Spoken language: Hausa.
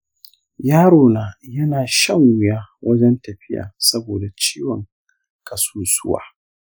yaro na yana shan wuya wajen tafiya saboda ciwon ƙasusuwa.